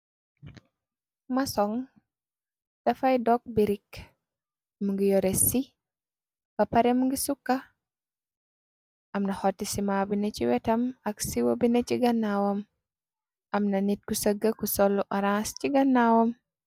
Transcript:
Masoŋg dafay dog birik, mu ngi yore sii, ba pare mi ngi sukka, amna xoti sima bina ci wetam, ak siiwo bina ci gannaawam, amna nit ku sëgga, ku sol lu araans ci gannaawam.